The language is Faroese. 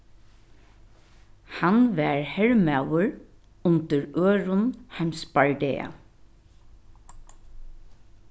hann var hermaður undir øðrum heimsbardaga